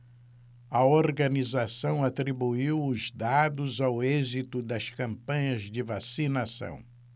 a organização atribuiu os dados ao êxito das campanhas de vacinação